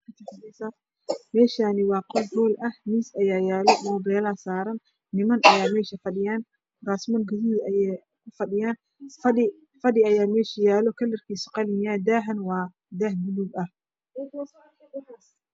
Meeshaan waa qol hool ah miis ayaa yaalo muubeela saaran, niman ayaa meesha fadhiyo kuraasman gaduud ah ayay kufadhiyaan. Fadhi ayaa meesha yaalo kalarkiisu waa qalin . Daahana waa buluug.